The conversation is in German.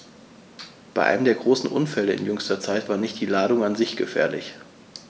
Bei einem der großen Unfälle in jüngster Zeit war nicht die Ladung an sich gefährlich.